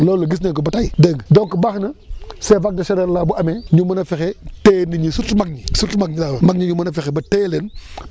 loolu gis nañ ko ba tàyyi dégg nga donc baax na ces vagues de chaleur là bu amee ñu mën a fexe téye nit ñi surtout mag ñi surtout mag ñi laa wax mag ñi ñu mën a fexe ba téye leen